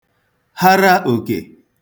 hara òkè